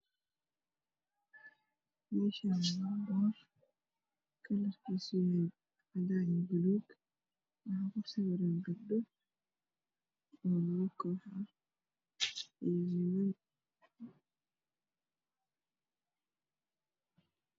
Meeshaani waa boor kalarkisa yahay cadaan waxaa ku sawiran ninam